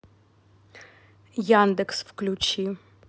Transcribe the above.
яндекс включи